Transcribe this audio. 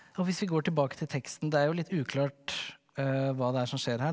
og hvis vi går tilbake til teksten, det er jo litt uklart hva det er som skjer her.